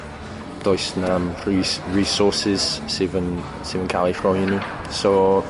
does na'm rhys-resources sydd yn sydd yn ca'l i rhoi i nhw so